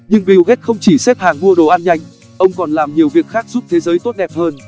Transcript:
nhưng bill gates không chỉ xếp hàng mua đồ ăn nhanh ông còn làm nhiều việc khác giúp thế giới tốt đẹp hơn